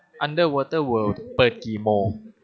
อันเดอร์วอเตอร์เวิล์ดเปิดกี่โมง